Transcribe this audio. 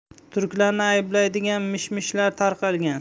turklarni ayblaydigan mish mishlar tarqalgan